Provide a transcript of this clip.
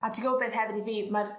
a ti gwbo beth hefyd i fi ma'r